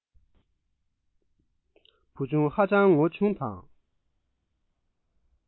བུ ཆུང ཧ ཅང ངོ ཆུང དང